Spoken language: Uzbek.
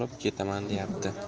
olib ketaman deyapti